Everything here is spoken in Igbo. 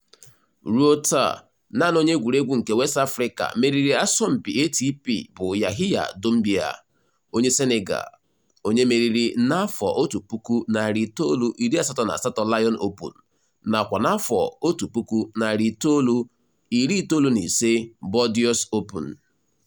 Ruo taa, naanị onye egwuruegwu nke West Africa meriri asọmpi ATP bụ Yahiya Doumbia onye Senegal, onye meriri 1988 Lyon Open nakwa 1995 Bordeaux Open.